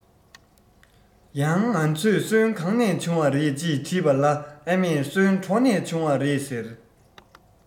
ཡང ང ཚོས སོན གང ནས བྱུང བ རེད ཅེས དྲིས པ ལ ཨ མས སོན གྲོ ནས བྱུང བ རེད ཟེར